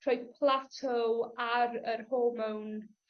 rhoi plateau ar yr hormon